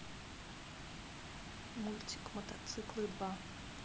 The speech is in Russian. мультик мотоциклы два